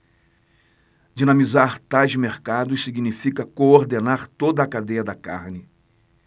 dinamizar tais mercados significa coordenar toda a cadeia da carne